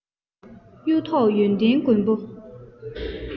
གཡུ ཐོག ཡོན ཏན མགོན པོ